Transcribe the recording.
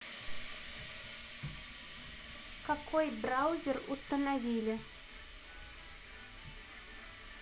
какой браузер установили